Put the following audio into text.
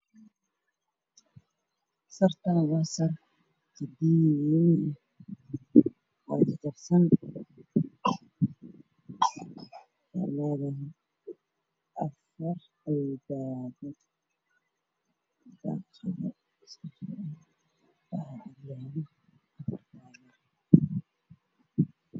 Sartann waa sar jibiiloo oo jajjab san waxay leedahay afarbaal